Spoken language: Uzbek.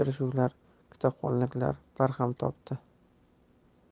uchrashuvlar kitobxonliklar barham topdi